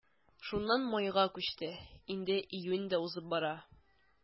Шуннан майга күчте, инде июнь дә узып бара.